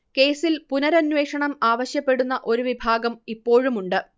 കേസിൽ പുനരന്വേഷണം ആവശ്യപ്പെടുന്ന ഒരു വിഭാഗം ഇപ്പോഴുമുണ്ട്